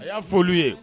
Y'a foli ye